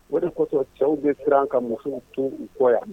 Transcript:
O de kosɔ cɛw bɛ siran an ka musoww tun u kɔ yan